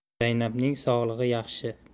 zaynabning sog'lig'i yaxshi